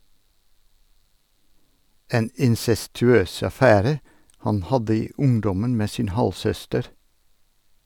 En incestuøs affære han hadde i ungdommen med sin halvsøster.